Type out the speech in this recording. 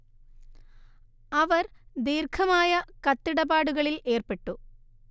അവർ ദീർഘമായ കത്തിടപാടുകളിൽ ഏർപ്പെട്ടു